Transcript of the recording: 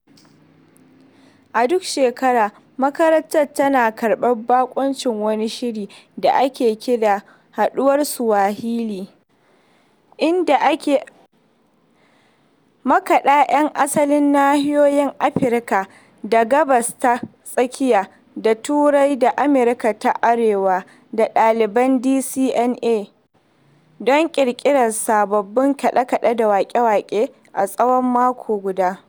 A duk shekara, makarantar tana karɓar baƙuncin wani shiri da ake kira "Haɗuwar Swahili" inda ake haɗa makaɗa 'yan asalin nahiyoyin Afirka da Gabas ta Tsakiya da Turai da Amurka ta Arewa da ɗaliban DCMA don ƙirƙirar sababbin kaɗe-kaɗe da waƙe-waƙe a tsahon mako guda.